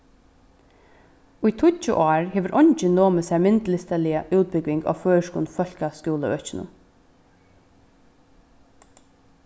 í tíggju ár hevur eingin nomið sær myndlistaliga útbúgving á føroyskum fólkaskúlaøkinum